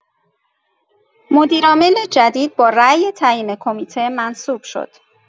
مدیر عامل جدید با رای تعیین کمیته منصوب شد.